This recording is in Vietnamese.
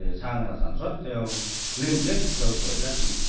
hè sang là sản xuất theo liên kết theo chuỗi giá trị